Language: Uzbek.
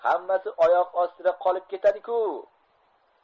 hammasi oyoq ostida qolib ketadi ku